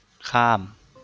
ข้าม